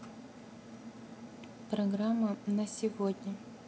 программа на сегодня